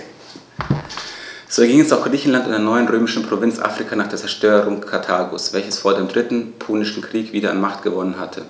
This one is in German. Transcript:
So erging es auch Griechenland und der neuen römischen Provinz Afrika nach der Zerstörung Karthagos, welches vor dem Dritten Punischen Krieg wieder an Macht gewonnen hatte.